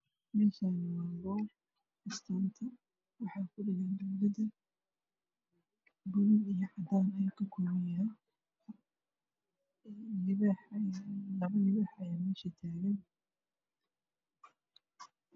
Meeshaan waa hool astaanta ku dhagan buluug cadaan libaax Ayaa meesha taagan